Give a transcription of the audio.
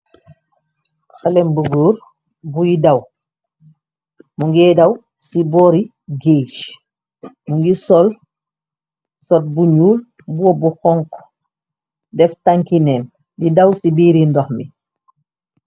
Halem bu góor buy daw mu ngi daw ci boori géege mu ngi sol sot bu ñyuul bopbu xonku def tankineen di daw ci biiri ndox mi.